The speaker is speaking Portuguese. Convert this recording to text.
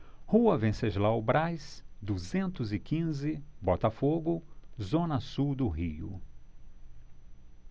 rua venceslau braz duzentos e quinze botafogo zona sul do rio